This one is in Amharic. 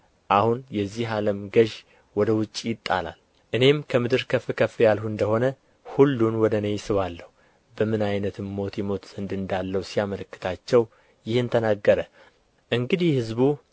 አሁን የዚህ ዓለም ገዥ ወደ ውጭ ይጣላል እኔም ከምድር ከፍ ከፍ ያልሁ እንደ ሆነ ሁሉን ወደ እኔ እስባለሁ በምን ዓይነትም ሞት ይሞት ዘንድ እንዳለው ሲያመለክታቸው ይህን ተናገረ እንግዲህ ሕዝቡ